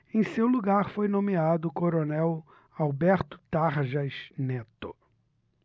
em seu lugar foi nomeado o coronel alberto tarjas neto